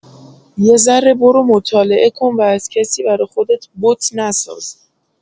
یه ذره برو مطالعه کن و از کسی برا خودت بت نساز